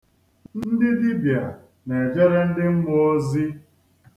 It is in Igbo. Ndị dibịa na-ejere ndị mmụọ ozi.